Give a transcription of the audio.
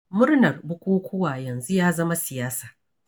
Murnar bukukuwa yanzu ya zama siyasa.